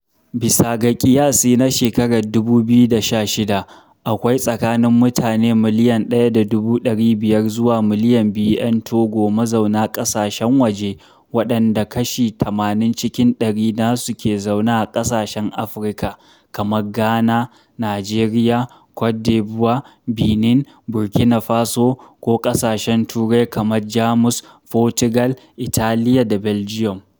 Bisa ga ƙiyasi na shekarar 2016, akwai tsakanin mutane miliyan 1.5 zuwa miliyan 2 'yan Togo mazauna ƙasashen waje, waɗanda kashi 80 cikin ɗari nasu ke zaune a ƙasashen Afirka, kamar Ghana, Najeriya, Kwade buwa, Benin, Burkina Faso, ko ƙasashen Turai kamar Jamus, Fotugal, Italiya, da Beljiyum.